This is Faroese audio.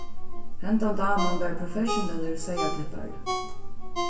hendan daman var professionellur seyðaklippari